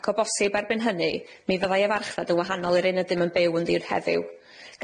ac o bosib erbyn hynny mi fyddai y farchnad yn wahanol i'r un y ydym yn byw ynddi'r heddiw.